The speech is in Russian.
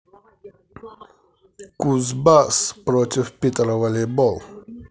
кузбасс против питера волейбол